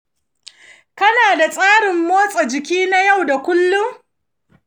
kana da tsarin motsa jiki na yau da kullum?